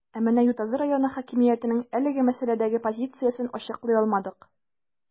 Ә менә Ютазы районы хакимиятенең әлеге мәсьәләдәге позициясен ачыклый алмадык.